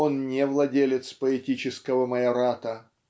он не владелец поэтического майората.